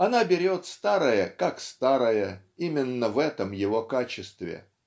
она берет старое как старое, именно в этом его качестве.